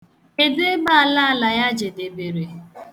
Kedụ ebe alaala ya jedebere?